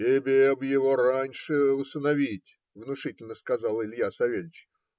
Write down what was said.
- Тебе бы его раньше усыновить, - внушительно сказал Илья Савельич.